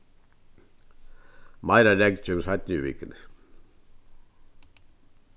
meira regn kemur seinni í vikuni